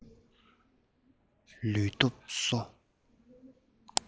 ལུས སྟོབས གསོ